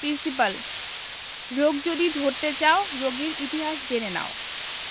principal রোগ যদি ধরতে চাও রোগীর ইতিহাস জেনে নাও